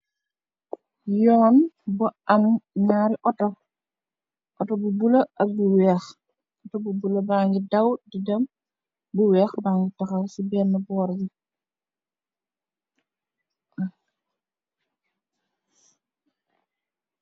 Yoon bu am ñaari Otto, Otto bu bula ak bu wèèx. Otto bu bula ba'ngi daw di dem bu wèèx ba ngi taxaw ci benna bór yi.